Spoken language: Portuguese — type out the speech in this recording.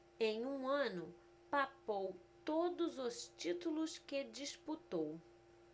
em um ano papou todos os títulos que disputou